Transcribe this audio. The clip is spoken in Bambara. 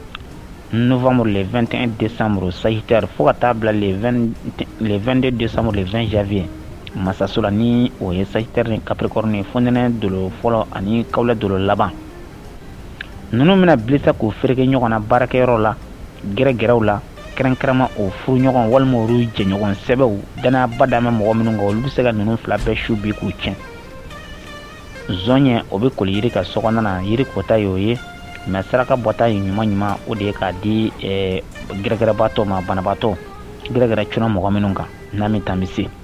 N'ofamo 2t de sanmo sayiteri fo ka taa bila 2en de san 2 janfiyye masasla ni o ye sayiteri ni kaprik fonten don fɔlɔ ani kalɛ dɔ laban ninnu bɛna bi k' u feereereke ɲɔgɔn na baarakɛyɔrɔ la gɛrɛ gɛrɛraw la kɛrɛnkɛma o furu ɲɔgɔn walima jɛɲɔgɔn sɛw g badamɛ mɔgɔ minnu kan u bɛ se ka ninnu fila bɛɛ sh bi k'u tiɲɛ zan ye o bɛ kɔlɔli yiri ka so yiri kɔta o ye nka saraka bɔta ye ɲuman ɲuman o de ye k kaa di gɛrɛɛrɛbaatɔ ma banabatɔ gɛrɛ c mɔgɔ minnu kan n taama bɛ se